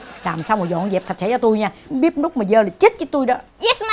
làm xong rồi dọn dẹp sạch sẽ cho tui nha bếp núc mà dơ là chết với tui đó